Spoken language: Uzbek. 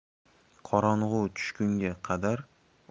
qorong'i tushgunga qadar